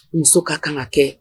Muso ka kan ka kɛ